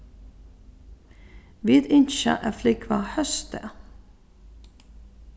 vit ynskja at flúgva hósdag